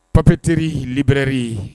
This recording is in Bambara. Papeterie, librairie